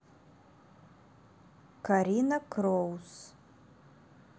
карина кроус